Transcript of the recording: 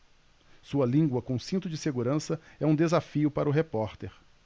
sua língua com cinto de segurança é um desafio para o repórter